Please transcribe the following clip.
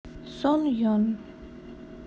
сон йон